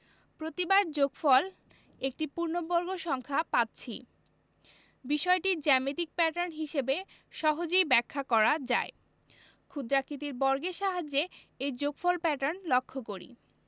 প্রতিবার যোগফল একটি পূর্ণবর্গ সংখ্যা পাচ্ছি বিষয়টি জ্যামিতিক প্যাটার্ন হিসেবে সহজেই ব্যাখ্যা করা যায় ক্ষুদ্রাকৃতির বর্গের সাহায্যে এই যোগফল প্যাটার্ন লক্ষ করি